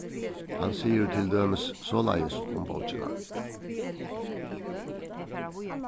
hann sigur til dømis soleiðis um bókina